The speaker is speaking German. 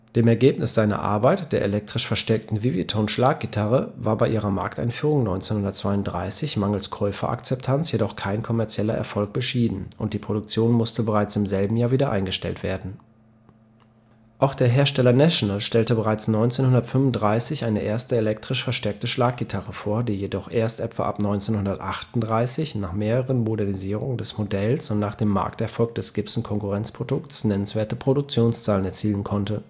Dem Ergebnis seiner Arbeit, der elektrisch verstärkten Vivi-Tone-Schlaggitarre war bei ihrer Markteinführung 1932 mangels Käuferakzeptanz jedoch kein kommerzieller Erfolg beschieden, und die Produktion musste bereits im selben Jahr wieder eingestellt werden. Auch der Hersteller National stellte bereits 1935 eine erste elektrisch verstärkte Schlaggitarre vor, die jedoch erst etwa ab 1938, nach mehreren Modernisierungen des Modells und nach dem Markterfolg des Gibson-Konkurrenzprodukts nennenswerte Produktionszahlen erzielen konnte